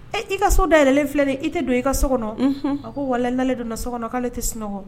Ɛ i ka so da yɛlɛɛlɛnlen filɛ i tɛ don i ka so kɔnɔ a ko wa don so kɔnɔ k'ale tɛ sunɔgɔ